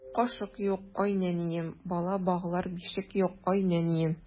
Кашык юк, ай нәнием, Бала баглар бишек юк, ай нәнием.